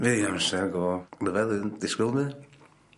byddai ddim disgwyl 'ny.